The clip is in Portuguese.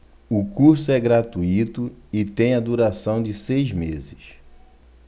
o curso é gratuito e tem a duração de seis meses